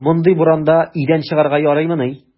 Мондый буранда өйдән чыгарга ярыймыни!